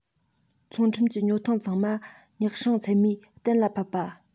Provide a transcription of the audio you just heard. ཚོང ཁྲོམ གྱི ཉོ ཐང ཚང མ ཉག སྲང ཚད མས གཏན ལ ཕེབས པ